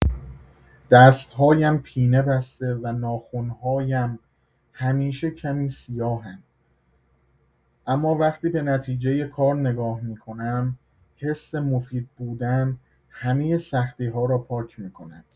دست‌هایم پینه‌بسته و ناخن‌هایم همیشه کمی سیاهند، اما وقتی به نتیجه کار نگاه می‌کنم، حس مفید بودن همه سختی‌ها را پاک می‌کند.